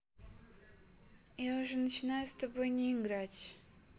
я уже начинаю с тобой не играть